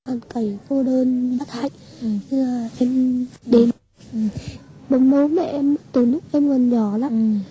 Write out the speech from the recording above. con thấy cô đơn bất hạnh em đêm bốn bố mẹ em từ lúc em còn nhỏ lắm